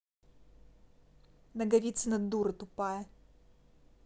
наговицына дура тупая